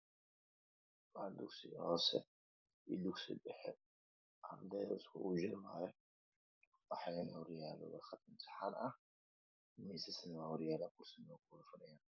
Waa dusi hoose susi dhaxe Waxa horyaalo arday miisas kuraas hor yaal